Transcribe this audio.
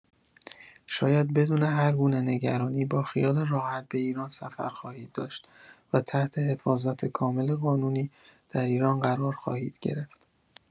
شاید بدون هرگونه نگرانی با خیال راحت به ایران سفر خواهید داشت و تحت حفاظت کامل قانونی در ایران قرار خواهید گرفت.